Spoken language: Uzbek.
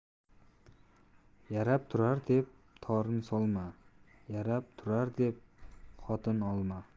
yarab turar deb torn solma yarab turar deb xotin olma